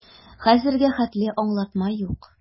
Хәзергә хәтле аңлатма юк.